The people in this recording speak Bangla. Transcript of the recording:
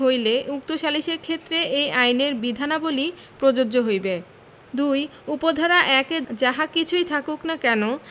হইলে উক্ত সালিসের ক্ষেত্রে এই আইনের বিধানাবলী প্রযোজ্য হইবে ২ উপ ধারা ১ এ যাহা কিচুই থাকুক না কেন